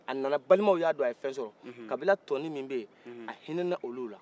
a nana balimaw y'a don a ye fɛ sɔrɔ kabila tɔni min beye a ɲinɛ olu la